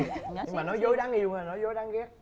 nhưng mà nói dối đáng yêu hay nói dối đáng ghét